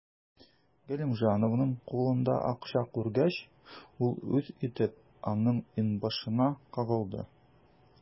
Галимҗановның кулында акча күргәч, ул үз итеп аның иңбашына кагылды.